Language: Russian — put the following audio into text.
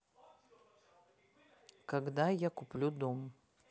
когда я куплю дом